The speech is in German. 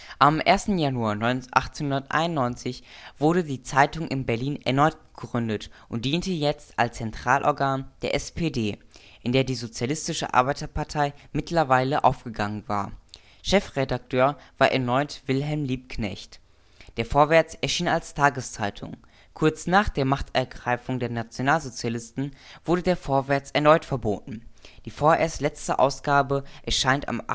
Am 1. Januar 1891 wurde die Zeitung in Berlin erneut gegründet und diente jetzt als Zentralorgan der SPD, in der die Sozialistische Arbeiterpartei mittlerweile aufgegangen war. Chefredakteur war erneut Wilhelm Liebknecht. Der Vorwärts erschien als Tageszeitung. Kurz nach der Machtergreifung der Nationalsozialisten wurde der Vorwärts erneut verboten. Die vorerst letzte Ausgabe erscheint am